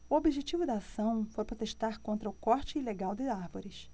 o objetivo da ação foi protestar contra o corte ilegal de árvores